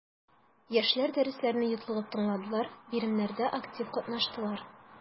Яшьләр дәресләрне йотлыгып тыңладылар, биремнәрдә актив катнаштылар.